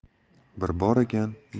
bir bor ekan